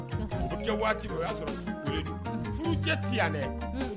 Waati o y'a sɔrɔ furu cɛ ti dɛ